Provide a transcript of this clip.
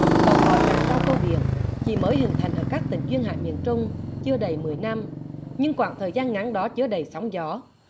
còn gọi là rau câu biển chỉ mới hình thành ở các tỉnh duyên hải miền trung chưa đầy mười năm nhưng quãng thời gian ngắn đó chứa đầy sóng gió